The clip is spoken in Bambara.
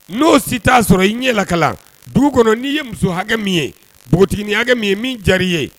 No si ta sɔrɔ i ɲɛ ka kalan . Dugu kɔnɔ ni ye muso hakɛ min ye npogotiginin hakɛ min no jari ye